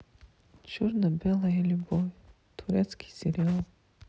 черно белая любовь турецкий сериал